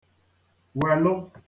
wèlụ